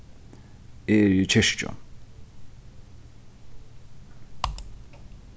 eg eri í kirkju